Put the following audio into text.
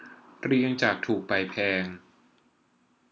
เรียงจากถูกไปแพง